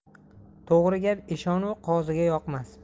to'g'ri gap eshon u qoziga yoqmas